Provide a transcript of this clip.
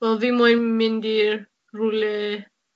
Wel fi moyn mynd i rwle,